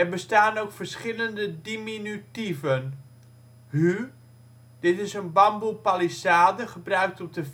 bestaan ook verschillende diminutieven: Hù (滬 of 沪), dit is een bamboe palissade gebruikt om te vissen